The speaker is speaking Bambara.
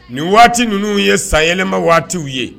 Nin waati ninnu ye sayɛlɛma waatiw ye